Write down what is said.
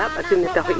Mari Faye ne eem